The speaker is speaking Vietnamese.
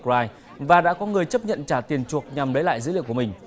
rai và đã có người chấp nhận trả tiền chuộc nhằm lấy lại dữ liệu của mình